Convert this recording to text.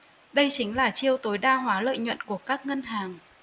đây chính là chiêu tối đa hóa lợi nhuận của các ngân hàng